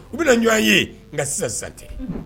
U bɛna na ɲɔgɔn ye nka sisansan tɛ